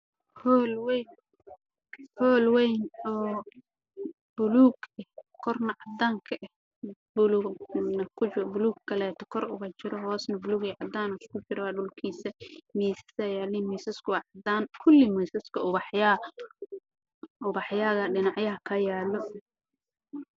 Waa hool weyn oo buluug ah